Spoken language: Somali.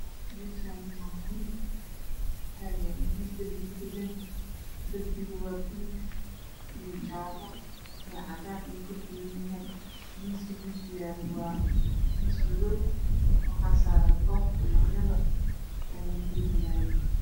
Meshanwaa guri waxayaalomiskudhegan derbi derbigawaabalug iyo jalo iyocadan ayukakobanyahay miska meshayaalo w aa mismadow waxa saran dhobka ubaxyada Laguridanayo